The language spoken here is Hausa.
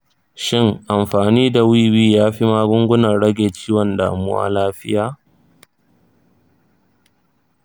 shin amfani da wiwi ya fi magungunan rage ciwon damuwa lafiya?